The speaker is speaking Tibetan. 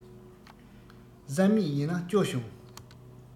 བསམ མེད ཡིན ན སྐྱོ བྱུང